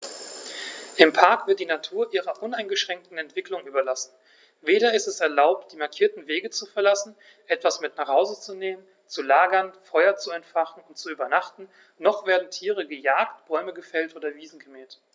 Im Park wird die Natur ihrer uneingeschränkten Entwicklung überlassen; weder ist es erlaubt, die markierten Wege zu verlassen, etwas mit nach Hause zu nehmen, zu lagern, Feuer zu entfachen und zu übernachten, noch werden Tiere gejagt, Bäume gefällt oder Wiesen gemäht.